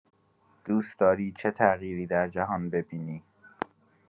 دوست‌داری چه تغییری در جهان ببینی؟